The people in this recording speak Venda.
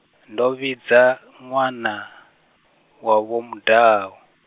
ndo vhidza, ṅwana, wa Vho Mudau.